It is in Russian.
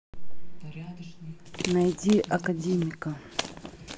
найди академика